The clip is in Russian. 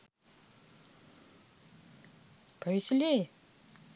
повеселей